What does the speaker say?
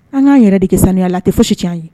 An' anan yɛrɛ de kɛ saniya la tɛ foyisi ci ye